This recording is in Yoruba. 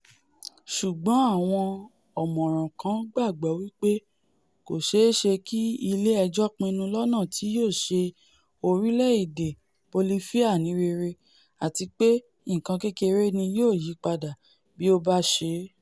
Ṣùgbọ́n àwọn ọ̀mọràn kan gbàgbọ́ wí pé kòṣeé ṣe kí ilé ẹjọ́ pinnu lọ́nà ti yóò ṣe orílẹ̀-èdè Bolifia ní rere - àtipé nǹkan kékeré ni yóò yípadà bí ó bá ṣée.